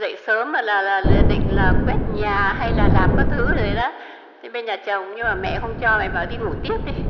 dậy sớm là là là định là quét nhà hay là làm các thứ gì đó bên nhà chồng nhưng mà mẹ không cho mẹ bảo đi ngủ tiếp đi